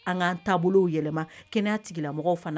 An kaan taabolo yɛlɛma kɛnɛ sigila mɔgɔw fana